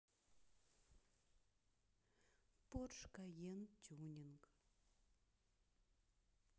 порш кайен тюнинг